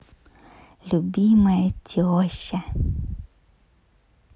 любимая теща